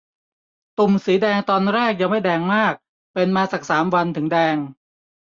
ตุ่มสีแดงตอนแรกยังไม่แดงมากเป็นมาสักสามวันถึงแดง